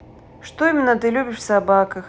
что именно ты любишь в собаках